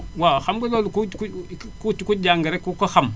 waaw xam nga loolu ku ku ku jàng rekk ku ko xam